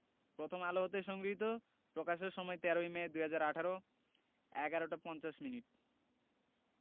প্রথম আলো হতে সংগৃহীত প্রকাশের সময় ১৩ই মে ২০১৮ ১১ টা ৫০ মিনিট